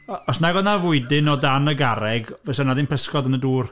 Os nag oedd 'na fwydyn o dan y garreg, fysa 'na ddim pysgod yn y dŵr...